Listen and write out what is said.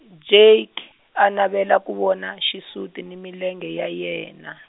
Jake, a navela ku vona xisuti ni milenge ya yena.